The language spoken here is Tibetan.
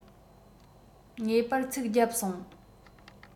ངེས པར ཚིགས རྒྱབ སོང